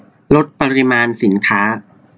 ลดปริมาณสินค้า